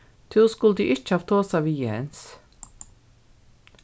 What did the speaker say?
tú skuldi ikki havt tosað við jens